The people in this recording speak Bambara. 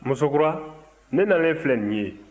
musokura ne nalen filɛ nin ye